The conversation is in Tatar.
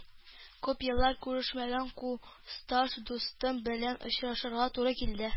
Күп еллар күрешмәгән курсташ дустым белән очрашырга туры килде